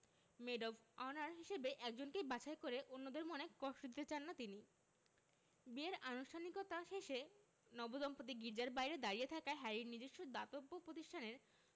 made of honour হিসেবে একজনকে বাছাই করে অন্যদের মনে কষ্ট দিতে চান না তিনি বিয়ের আনুষ্ঠানিকতা শেষে নবদম্পতি গির্জার বাইরে দাঁড়িয়ে থাকা হ্যারির নিজস্ব দাতব্য প্রতিষ্ঠানের